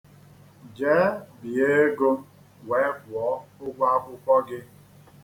Jee bie ego wee kwụọ ụgwọ akwụkwọ gị.